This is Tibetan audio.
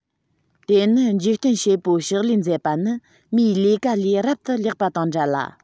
དེ ནི འཇིག རྟེན བྱེད པོའི ཕྱག ལས མཛད པ ནི མིའི ལས ཀ ལས རབ ཏུ ལེགས པ དང འདྲ ལ